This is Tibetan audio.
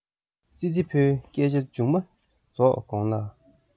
ཙི ཙི ཕོའི སྐད ཆ མཇུག མ རྫོགས གོང ལ